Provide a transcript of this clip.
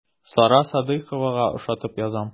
Сара Садыйковага ошатып язам.